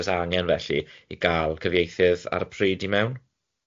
oes angen felly, i gael cyfieithydd ar y pryd i mewn.